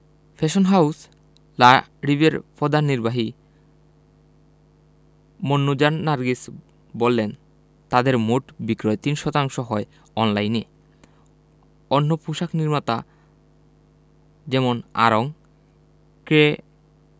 fashion house লা রিবের পধান নির্বাহী মুন্নুজান নার্গিস বললেন তাঁদের মোট বিক্রির ৩ শতাংশ হয় অনলাইনে অন্য পোশাক নির্মাতা যেমন আড়ং কে